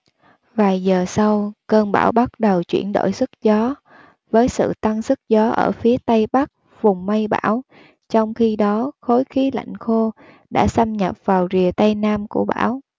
vài giờ sau cơn bão bắt đầu chuyển đổi sức gió với sự tăng sức gió ở phía tây bắc vùng mây bão trong khi đó khối khí lạnh khô đã xâm nhập vào rìa tây nam của bão